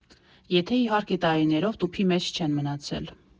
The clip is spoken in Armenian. Եթե, իհարկե, տարիներով տուփի մեջ չեն մնացել։